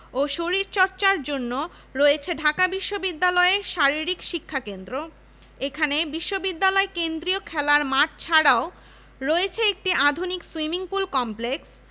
ঢাকা শহরের অন্যতম বৃহদায়তন উক্ত অডিটোরিয়ামে দেশীয় ও আন্তর্জাতিক প্রশিক্ষণ বিষয়ক কনফারেন্সের আয়োজন করা হয়